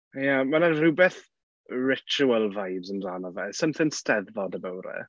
Ie, mae 'na rhywbeth ritual vibes amdano fe, something Steddfod about it.